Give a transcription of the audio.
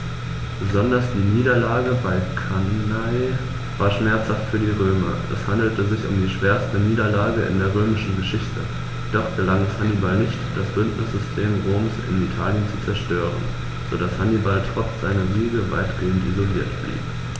Besonders die Niederlage bei Cannae war schmerzhaft für die Römer: Es handelte sich um die schwerste Niederlage in der römischen Geschichte, doch gelang es Hannibal nicht, das Bündnissystem Roms in Italien zu zerstören, sodass Hannibal trotz seiner Siege weitgehend isoliert blieb.